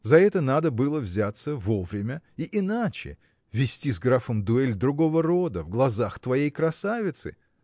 За это надо было взяться вовремя и иначе вести с графом дуэль другого рода в глазах твоей красавицы.